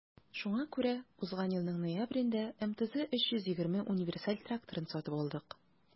Шуңа күрә узган елның ноябрендә МТЗ 320 универсаль тракторын сатып алдык.